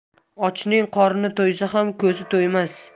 ochning qorni to'ysa ham ko'zi to'ymas